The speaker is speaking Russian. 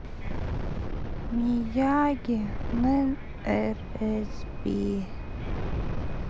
мияги нрзб